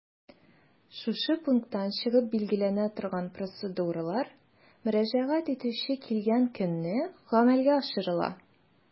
Шушы пункттан чыгып билгеләнә торган процедуралар мөрәҗәгать итүче килгән көнне гамәлгә ашырыла.